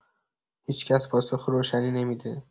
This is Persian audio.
هیچ‌کس پاسخ روشنی نمی‌ده.